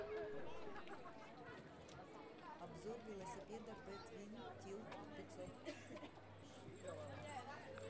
обзор велосипеда бэ твин тилт пятьсот